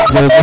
jerejef